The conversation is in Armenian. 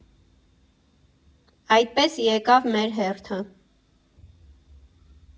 Այդպես եկավ մեր հերթը։